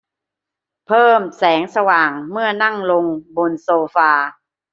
เพิ่มแสงสว่างเมื่อนั่งลงบนโซฟา